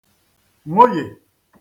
Nwoye